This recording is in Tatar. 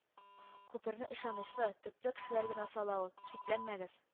Күперне ышанычлы, төпле кешеләр генә сала ул шикләнмәгез